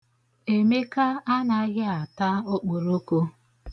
Emeka anaghị ata okpòrokō.